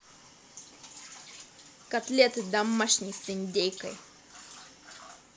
котлеты домашние с индейкой